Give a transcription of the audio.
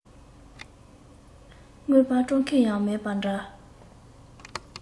རྔན པ སྤྲོད མཁན ཡང མེད པ འདྲ